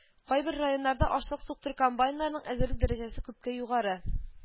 Кайбер районнарда ашлык суктыру комбайннарының әзерлек дәрәҗәсе күпкә югары